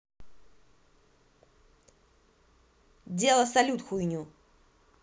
дело салют хуйню